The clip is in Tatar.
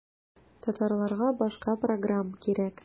Татарларга башка программ кирәк.